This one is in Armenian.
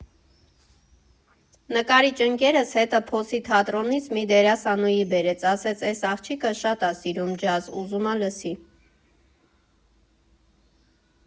Նկարիչ ընկերս հետը Փոսի թատրոնից մի դերասանուհի բերեց, ասեց՝ էս աղջիկը շատ ա սիրում ջազ, ուզում ա լսի։